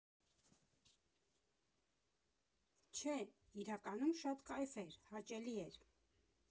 Չէ, իրականում, շատ կայֆ էր, հաճելի էր։